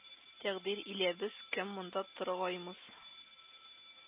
Тәкъдир илә без, кем, монда торгаймыз